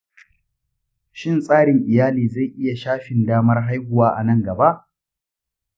shin tsarin iyali zai iya shafin damar haihuwa a nan gaba?